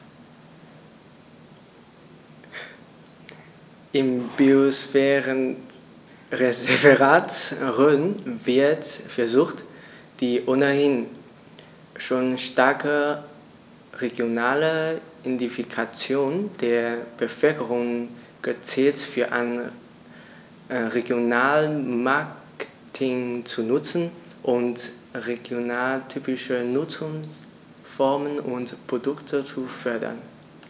Im Biosphärenreservat Rhön wird versucht, die ohnehin schon starke regionale Identifikation der Bevölkerung gezielt für ein Regionalmarketing zu nutzen und regionaltypische Nutzungsformen und Produkte zu fördern.